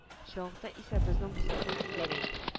Чынлыкта исә безнең дустыбыз гәрәй